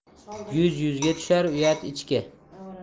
yuz yuzga tushar uyat ichga